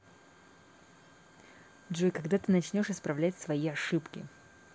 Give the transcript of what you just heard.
джой когда ты начнешь исправлять свои ошибки